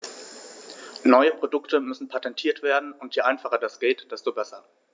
Neue Produkte müssen patentiert werden, und je einfacher das geht, desto besser.